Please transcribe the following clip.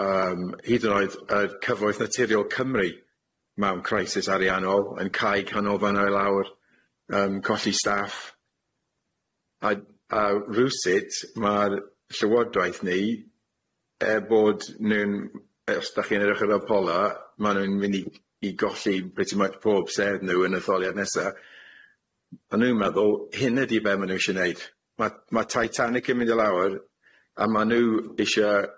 yym hyd yn oed yy cyfoeth naturiol Cymru mewn crisis ariannol yn caig hannol fan'na i lawr yym colli staff a a rywsut ma'r llywodraeth ni er bod nw'n os dach chi'n edrych ar Apolla ma' nw'n myn' i i golli pretty much pob serdd nw yn y tholiad nesa a nw'n meddwl hyn ydi be' ma' nw isie neud ma' ma' Titanic yn mynd i lawr a ma' nw isie